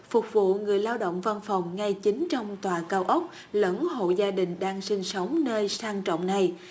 phục vụ người lao động văn phòng ngay chính trong tòa cao ốc lẫn hộ gia đình đang sinh sống nơi sang trọng này